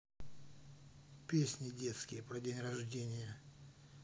песни детские про день рождения